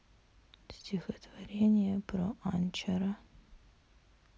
стихотворение про анчара